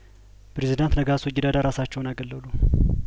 ፕሬዝዳንት ነጋሶ ጊዳዳ ራሳቸውን አገለሉ